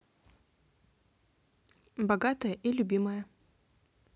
богатая и любимая